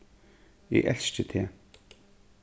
eg elski teg